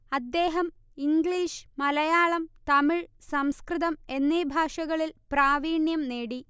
അദ്ദേഹം ഇംഗ്ലീഷ് മലയാളം തമിഴ് സംസ്കൃതം എന്നീ ഭാഷകളിൽ പ്രാവീണ്യം നേടി